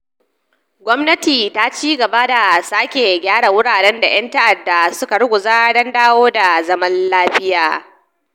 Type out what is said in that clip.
Gwamnati ta ci gaba da sake gyara wuraren da 'yan ta'adda suka ruguza don dawo da zaman lafiya.